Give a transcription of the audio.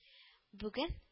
Бүген